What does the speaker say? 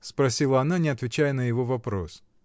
— спросила она, не отвечая на его вопрос.